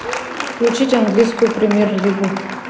включить английскую премьер лигу